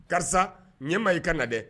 Karisa n ye ma i ka na dɛ